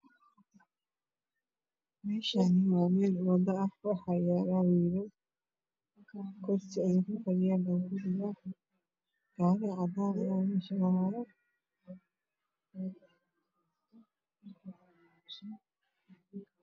Meeshaani waa meel wado ah waxaa yaalo wiilal kursi ayey ku fadhiyaan gaari cadaan ayaa meesha maraayo